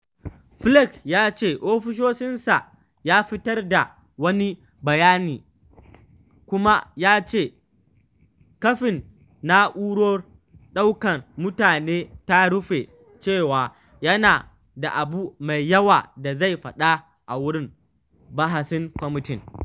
Flake ya ce ofishinsa ya fitar da wani bayani kuma ya ce, kafin na’urar ɗaukan mutanen ta rufe, cewa yana da abu mai yawa da zai faɗa a wurin bahasin kwamitin.